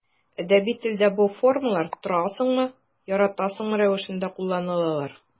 Әдәби телдә бу формалар торасыңмы, яратасыңмы рәвешендә кулланылалар.